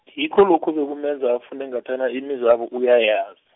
ngikho lokhu obekumenza afune ngathana imizabo uyayazi.